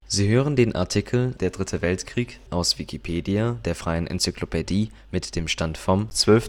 Sie hören den Artikel Der Dritte Weltkrieg, aus Wikipedia, der freien Enzyklopädie. Mit dem Stand vom Der